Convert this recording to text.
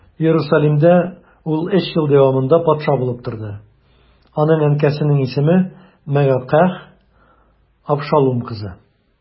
Иерусалимдә ул өч ел дәвамында патша булып торды, аның әнкәсенең исеме Мәгакәһ, Абшалум кызы.